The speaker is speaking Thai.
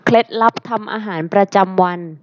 เคล็ดลับทำอาหารประจำวัน